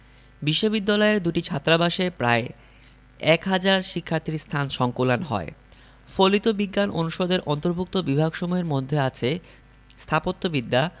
বিশ্ববিদ্যালয়ের দুটি ছাত্রাবাসে প্রায় এক হাজার শিক্ষার্থীর স্থান সংকুলান হয় ফলিত বিজ্ঞান অনুষদের অন্তর্ভুক্ত বিভাগসমূহের মধ্যে আছে স্থাপত্যবিদ্যা